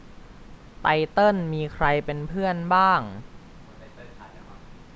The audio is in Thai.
ไตเติ้ลมีใครเป็นเพื่อนบ้าง